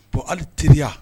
Bon hali teriya